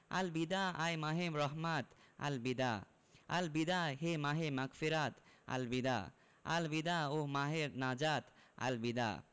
আল বিদা আয় মাহে রহমাত আল বিদা আল বিদা হে মাহে মাগফিরাত আল বিদা আল বিদা ওহঃ মাহে নাজাত আল বিদা